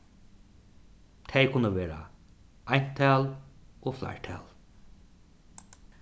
tey kunnu vera eintal og fleirtal